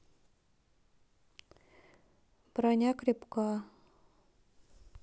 броня крепка